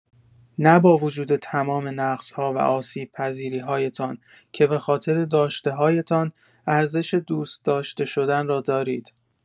نه با وجود تمام نقص‌ها و آسیب‌پذیری‌هایتان، که به‌خاطر داشته‌هایتان ارزش دوست‌داشته‌شدن را دارید.